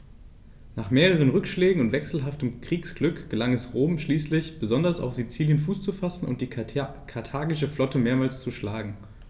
Nach mehreren Rückschlägen und wechselhaftem Kriegsglück gelang es Rom schließlich, besonders auf Sizilien Fuß zu fassen und die karthagische Flotte mehrmals zu schlagen.